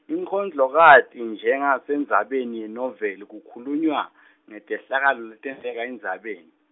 inkondlokati njengasendzabeni yenoveli kukhulunywa, ngetehlakalo letenteka endzabeni.